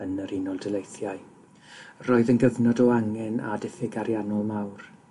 yn yr Unol Daleithiau. Roedd yn gyfnod o angen a diffyg ariannol mawr.